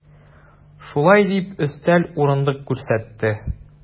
Шулай дип, өстәл, урындык күрсәтте.